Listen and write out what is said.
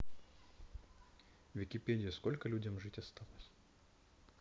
википедия сколько людям жить осталось